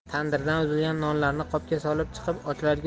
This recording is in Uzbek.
tandirdan uzilgan nonlarni qopga solib chiqib ochlarga